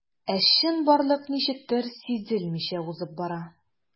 Ә чынбарлык ничектер сизелмичә узып бара.